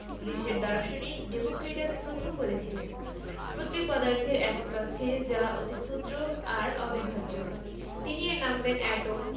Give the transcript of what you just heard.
প্রতিটি পদার্থ অজস্র ক্ষুদ্র এবং অবিভাজ্য কণার সমন্বয়ে গঠিত তিনি দার্শনিক ডেমোক্রিটাসের সম্মানে এ একক কণার নাম দেন এটম যার অর্থ পরমাণু এর পরে প্রমাণিত হয় যে পরমাণু অবিভাজ্য নয় এদের ভাঙলে পরমাণুর চেয়েও